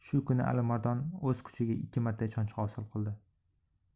shu kuni alimardon o'z kuchiga ikki marta ishonch hosil qildi